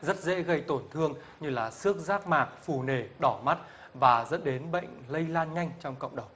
rất dễ gây tổn thương như là xước giác mạc phù nề đỏ mắt và dẫn đến bệnh lây lan nhanh trong cộng đồng